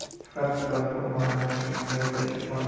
faqat platformadan tushgan joyda yuqori